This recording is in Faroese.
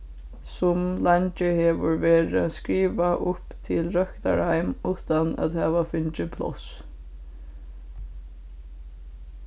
sum leingi hevur verið skrivað upp til røktarheim uttan at hava fingið pláss